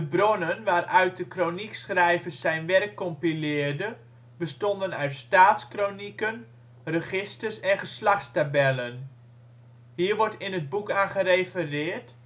bronnen, waaruit de kroniekschrijver zijn werk compileerde, bestonden uit staatskronieken, registers en geslachtstabellen. Hier wordt in het boek aan gerefereerd